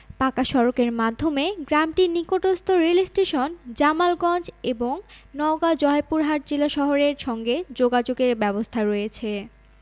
পাকা সড়কের মাধ্যমে গ্রামটির নিকটস্থ রেলস্টেশন জামালগঞ্জ এবং নওগাঁ জয়পুরহাট জেলা শহরের সঙ্গে যোগাযোগের ব্যবস্থা রয়েছে